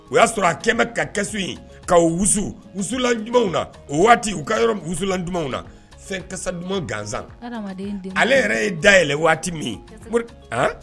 O y'a sɔrɔ a kɛlen ka kɛso in ka wususulalan dumanumaw na o waati u ka yɔrɔ wusula dumanumaw na fɛnkasa dumanuma gansan ale yɛrɛ ye day yɛlɛ waati min